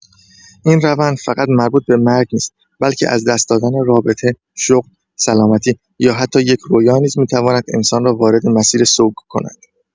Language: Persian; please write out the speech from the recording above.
این روند فقط مربوط به مرگ نیست، بلکه از دست دادن رابطه، شغل، سلامتی یا حتی یک رویا نیز می‌تواند انسان را وارد مسیر سوگ کند.